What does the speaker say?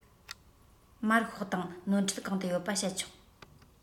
མར ཤོག དང ནོར འཁྲུལ གང དུ ཡོད པ བཤད ཆོག